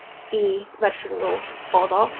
i fersiwn nhw oedd o.